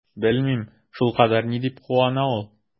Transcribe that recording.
Белмим, шулкадәр ни дип куана ул?